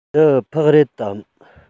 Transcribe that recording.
འདི ཕག རེད དམ